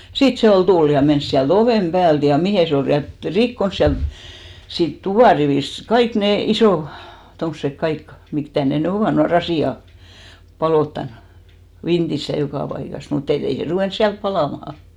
sitten se oli tullut ja mennyt sieltä oven päältä ja mihin se oli lyönyt että rikkonut sieltä siitä tuparivistä kaikki ne isot tuommoiset kaikki mitkä mitä ne nyt ovat nuo rasiat paloittanut vintissä ja joka paikassa mutta että ei se ruvennut siellä palamaan